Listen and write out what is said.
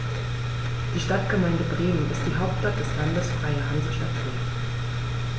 Die Stadtgemeinde Bremen ist die Hauptstadt des Landes Freie Hansestadt Bremen.